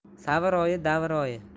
savr oyi davr oyi